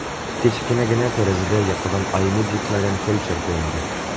Кечкенә генә тәрәзәдә йокыдан айнып җитмәгән фельдшер күренде.